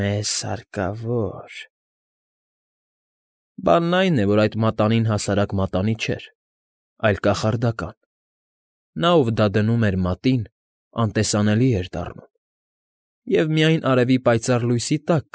Մեզ֊զ֊զ հարկավոր… Բանն այն է, որ այդ մատանին հասարակ մատանի չէր, այլ կախարդական. նա, ով դա դնում էր մատին, անտեսանելի էր դառնում, և միայն արևի պայծառ լույսի տակ։